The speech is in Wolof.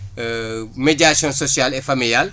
médiation sociale ezt familiale